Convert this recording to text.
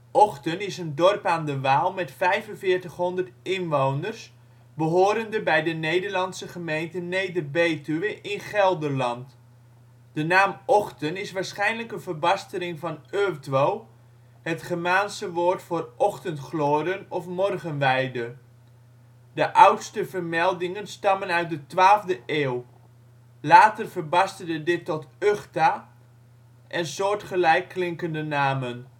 Ochten is een dorp aan de Waal met 4500 inwoners, behorende bij de Nederlandse gemeente Neder-Betuwe in Gelderland. De naam Ochten is waarschijnlijk een verbastering van " Uhtwo ", het germaanse woord voor ochtendgloren of morgenweide. De oudste vermeldingen stammen uit de 12e eeuw. Later verbasterde dit tot Uchta en soortgelijk klinkende namen